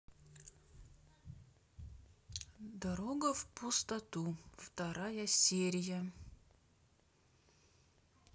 дорога в пустоту вторая серия